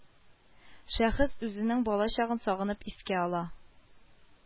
Шәхес үзенең балачагын сагынып искә ала